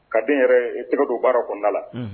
Ka den yɛrɛ tɛgɛ don baara kɔnɔnada la